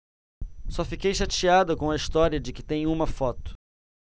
só fiquei chateada com a história de que tem uma foto